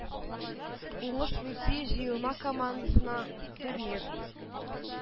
Уңыш русия җыелма командасына, турнир